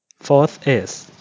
โฟธเอซ